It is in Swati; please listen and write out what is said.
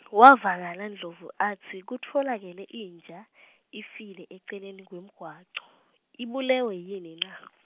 wevakala Ndlovu atsi kutfolakele inja ifile eceleni kwemgwaco, Ibulewe yini na ?